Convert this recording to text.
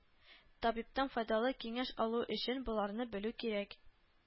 Табибтан файдалы киңәш алу өчен боларны белү кирәк